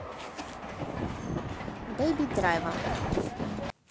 бэби драйва